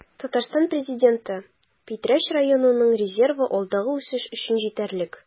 Татарстан Президенты: Питрәч районының резервы алдагы үсеш өчен җитәрлек